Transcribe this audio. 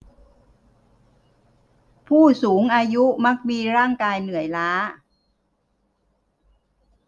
ผู้สูงอายุมักมีร่างกายเหนื่อยล้า